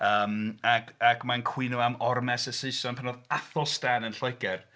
Yym ac... ac mae'n cwyno am ormes y Saeson pan oedd Æthelstan yn Lloegr